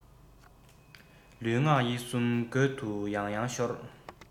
ལུས ངག ཡིད གསུམ རྒོད དུ ཡང ཡང ཤོར